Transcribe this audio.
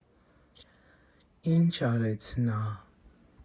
Ինչ արեց նա.